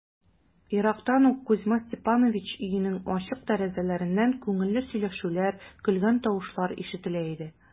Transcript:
Ерактан ук Кузьма Степанович өенең ачык тәрәзәләреннән күңелле сөйләшүләр, көлгән тавышлар ишетелә иде.